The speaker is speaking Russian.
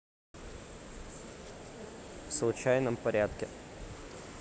в случайном порядке